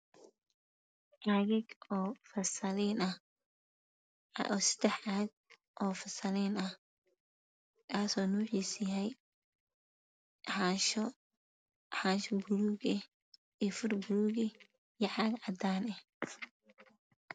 Sadex caagoo fasaliin ah kaas oo noociisuyahay Haansho buluug iyo furbuluug ah iyo caag cadaanne